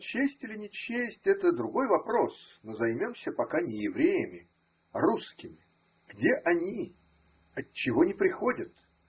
Честь или не честь, это другой вопрос; но займемся пока не евреями, а русскими. Где они? Отчего не приходят?